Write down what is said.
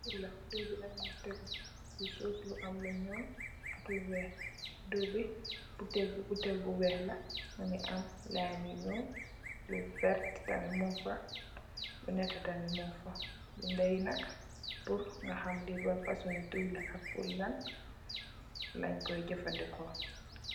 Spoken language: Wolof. Dui be nak mu nge tegi si suf bu am lu nul ak lu weyh. Dui be butail be bu wey la ameh liñ u nulak yuverter, lu nette tamit munge fa. Pur legi tamit ga ham dui be ban fasong la ak lunkoi doiyeh.